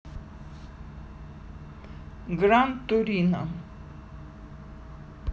гран турино